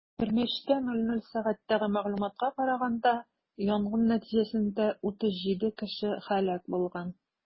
23:00 сәгатьтәге мәгълүматка караганда, янгын нәтиҗәсендә 37 кеше һәлак булган.